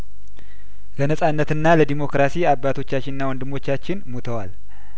ለነጻነትና ለዲሞክራሲ አባቶቻችንና ወንድሞቻችን ሙተዋል